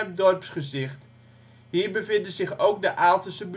dorpsgezicht. Hier bevinden zich ook de Aaltense